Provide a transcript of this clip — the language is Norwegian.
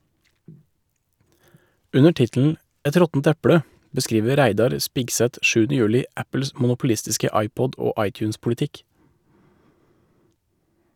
Under tittelen "Et råttent eple" beskriver Reidar Spigseth 7. juli Apples monopolistiske iPod- og iTunes-politikk.